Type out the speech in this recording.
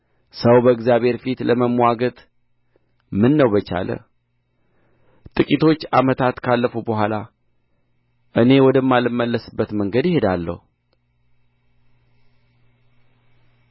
ሰው በእግዚአብሔር ፊት ለመምዋገት ምነው በቻለ ጥቂቶች ዓመታት ካለፉ በኋላ እኔ ወደማልመለስበት መንገድ እሄዳለሁ